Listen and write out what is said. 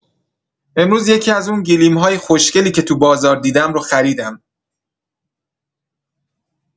امروز یکی‌از اون گلیم‌های خوشگلی که تو بازار دیدم رو خریدم.